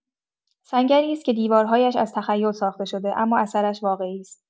سنگری است که دیوارهایش از تخیل ساخته شده، اما اثرش واقعی است.